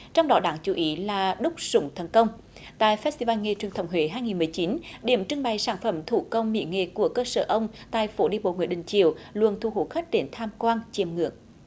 trong đó đáng chú ý là đúc súng thần công tại phét ti van nghề truyền thống huế hai nghìn mười chín điểm trưng bày sản phẩm thủ công mỹ nghệ của cơ sở ông tại phố đi bộ nguyễn đình chiểu luôn thu hút khách đến tham quan chiêm ngưỡng